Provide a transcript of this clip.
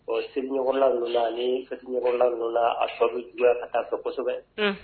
Ɔ seli ɲɛkɔrɔla nunun na ani fête ɲɛkɔrɔla nunun na , tɔ bi juguya ka taa fɛ kosɛbɛ.